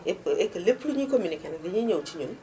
et que et que lépp luñuy communiqué nag dañuy ñëw ci ñun